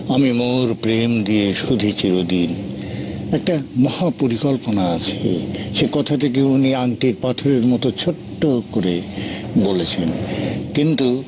আমি মোর প্রেম দিয়ে শুধেছি ওদিন একটা মহা পরিকল্পনা আছে সে কথাটা কে উনি আংটির পাথরের মত ছোট্ট করে বলেছেন কিন্তু